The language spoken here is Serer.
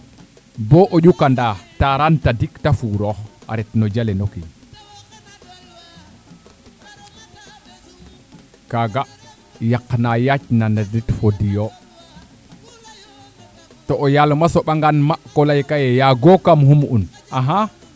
njegel ne ando naye no no ndaxar muum a war xumel o xumin no ŋuut ŋuutpo ŋuut ɗem na bo o ƴuka na taraan tadik te furoox a ret no jale no kiin kaga yaqan na yaac na nanit fo di o to o yaal ma soɓa ngan ma ko leykaye yaago kam xum un axa